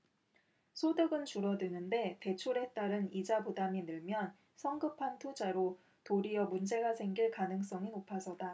소득은 줄어드는데 대출에 따른 이자 부담이 늘면 성급한 투자로 도리어 문제가 생길 가능성이 높아서다